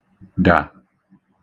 dà